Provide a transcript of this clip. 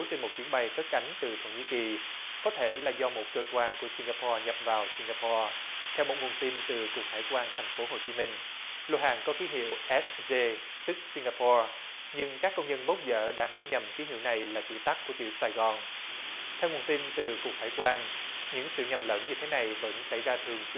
trên một chuyến bay cất cánh từ thổ nhĩ kỳ có thể là do một cơ quan của sinh ga bo nhập vào sinh ga bo theo một nguồn tin từ cục hải quan thành phố hồ chí minh lô hàng có ký hiệu ét giê tức sinh ga bo nhưng các công nhân bốc dỡ đã hiểu nhầm ký hiệu này là chữ tắt của chữ sài gòn theo nguồn tin từ cục hải quan những sự nhầm lẫn như thế này vẫn xảy ra thường